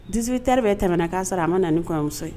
18 heures bɛɛ tɛmɛna k'a sɔrɔ a man na nin kɔɲɔmuso